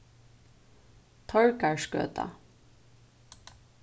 tórgarðsgøta